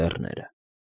Լեռները։